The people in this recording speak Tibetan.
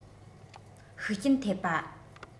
ཤུགས རྐྱེན ཐེབས པ